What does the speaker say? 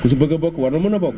ku si bëgg a bokk war na mën a bokk